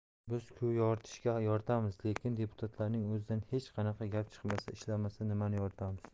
biz ku yoritishga yoritamiz lekin deputatlarning o'zidan hech qanaqa gap chiqmasa ishlamasa nimani yoritamiz